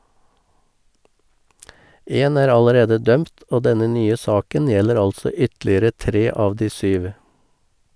En er allerede dømt, og denne nye saken gjelder altså ytterligere tre av de syv.